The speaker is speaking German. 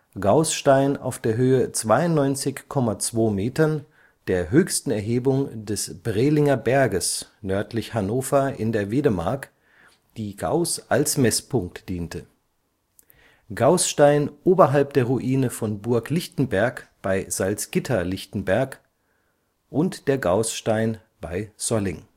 Gauß-Stein auf der Höhe 92,2 m, der höchsten Erhebung des Brelinger Berges (nördlich Hannover, Wedemark), die Gauß als Messpunkt diente Gaußstein oberhalb der Ruine von Burg Lichtenberg bei Salzgitter-Lichtenberg Gaußstein (Solling